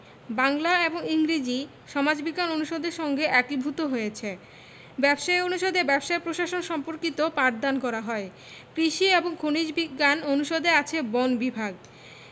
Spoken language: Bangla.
বাংলা এবং ইংরেজি সমাজবিজ্ঞান অনুষদের সঙ্গে একীভূত হয়েছে ব্যবসায় অনুষদে ব্যবসায় প্রশাসন সম্পর্কিত পাঠদান করা হয় কৃষি এবং খনিজ বিজ্ঞান অনুষদে আছে বন বিভাগ